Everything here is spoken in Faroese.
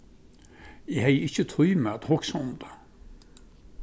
eg hevði ikki tímað at hugsað um tað